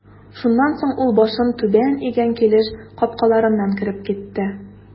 Шуннан соң ул башын түбән игән килеш капкаларыннан кереп китте.